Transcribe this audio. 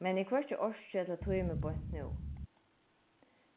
men eg hvørki orki ella tími beint nú